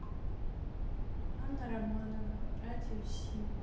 анна романова радио си